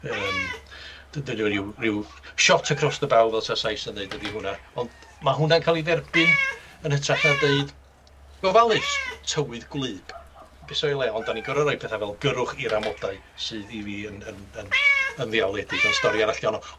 Yym dy- dydi o ryw ryw shot across the bow fel sa Sais yn deud ydi hwnna, ond ma' hwnna'n ca'l 'i dderbyn yn ytrach na deud, gofalus, tywydd gwlyb, be' sy o'i le ond 'dan ni'n gor'o' roi petha fel gyrrwch i'r amodau, sydd i fi yn yn yn yn ddiawledig, on' stori arall 'di 'onno.